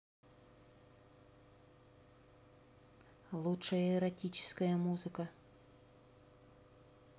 лучшая эротическая музыка